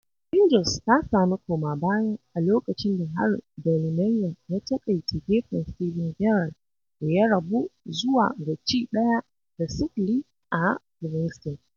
Rangers ta sami koma baya a lokacin da harin Dolly Menga ya taƙaita gefen Steven Gerrard da ya rabu zuwa ga ci 1 da 0 a Livingston.